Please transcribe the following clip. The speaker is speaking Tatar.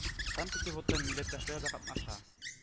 Санкт-Петербургтан милләттәшләр дә катнаша